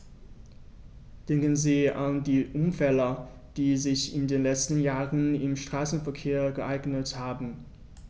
Denken Sie an die Unfälle, die sich in den letzten Jahren im Straßenverkehr ereignet haben.